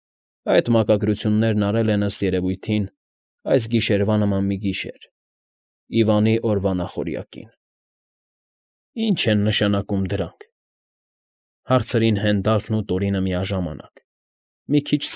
Այդ մակագրություններն արել են, ըստ երևույթին, այս գիշերվա նման մի գիշեր, Իվանի օրվա նախօրյակին։ ֊ Ի՞նչ են նշանակում դրանք,֊հարցրին Հենդալֆն ու Տորինը միաժամանակ, մի քիչ։